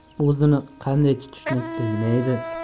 qanday tutishni bilmaydi